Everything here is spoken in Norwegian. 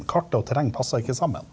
kart og terreng passer ikke sammen.